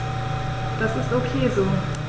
Das ist ok so.